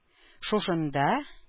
Шушында